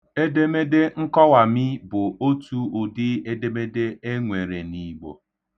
Edemede nkọwami bụ otu udị edemede e nwere n'Igbo.